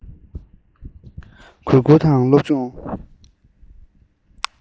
གུས བཀུར དང སློབ སྦྱོང